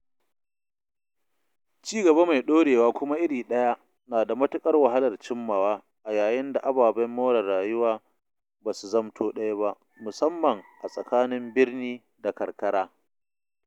Ci-gaba mai ɗorewa kuma iri ɗaya na da matuƙar wahalar cimmawa a yayin da ababen more rayuwa ba su zamto ɗaya ba, musamman a tsakanin birni da karkara.